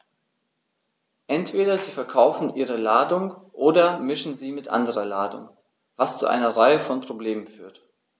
Entweder sie verkaufen ihre Ladung oder mischen sie mit anderer Ladung, was zu einer Reihe von Problemen führt.